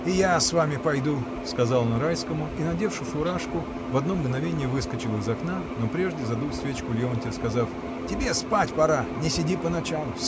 — И я с вами пойду, — сказал он Райскому и, надевши фуражку, в одно мгновение выскочил из окна, но прежде задул свечку у Леонтья, сказав: —Тебе спать пора: не сиди по ночам.